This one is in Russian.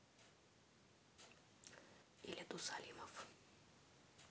или дусалимов